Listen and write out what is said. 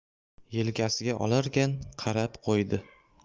yelkasiga olarkan qarab qo'ydi